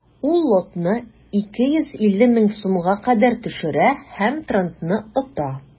Ул лотны 250 мең сумга кадәр төшерә һәм тендерны ота.